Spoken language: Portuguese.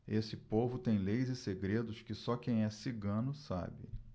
esse povo tem leis e segredos que só quem é cigano sabe